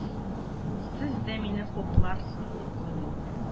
Сез дә мине хупларсыз дип уйлыйм